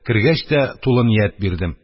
Кергәч тә, тулы ният бирдем.